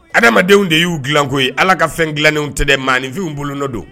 Adamadenw de y'u dilan koyi, Ala ka fɛn dilannenw tɛ dɛ ,maaninfinw bolo nɔ don.